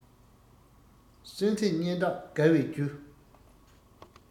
གསོན ཚེ སྙན གྲགས དགའ བའི རྒྱུ